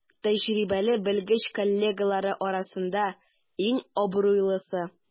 Тәҗрибәле белгеч коллегалары арасында иң абруйлысы.